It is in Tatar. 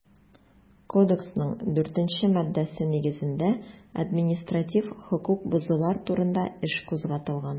Кодексның 4 нче маддәсе нигезендә административ хокук бозулар турында эш кузгатылган.